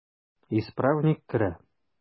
Исправник керә.